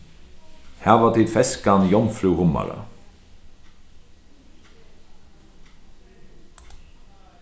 hava tit feskan jomfrúhummara